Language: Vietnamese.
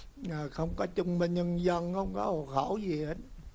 không có chứng minh nhân dân không có hộ khẩu gì hết